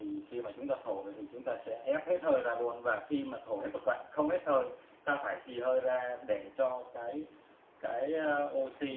khi chúng ta thổi sẽ ép hết hơi ra khi mà thổi hết một đoạn không hết hơi thì ta phải phì ra hết